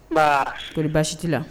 Nba. Kori bassin ti la ?